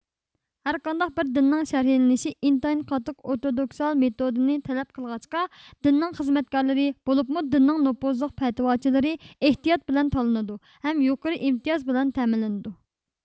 ھەر قانداق بىر دىننىڭ شەرھلىنىشى ئىنتايىن قاتتىق ئورتودوكسال مېتودنى تەلەپ قىلغاچقا دىننىڭ خىزمەتكارلىرى بولۇپمۇ دىننىڭ نوپۇزلۇق پەتىۋاچىلىرى ئېھتىيات بىلەن تاللىنىدۇ ھەم يۇقىرى ئىمتىياز بىلەن تەمىنلىنىدۇ